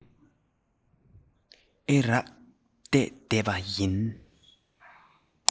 ཨེ རག བལྟས བསྡད པ ཡིན